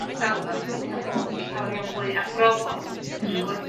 ers dalwm a odden ni'n ca'l bod yn llawar iawn mwy arbrofol. Hmm. A wed-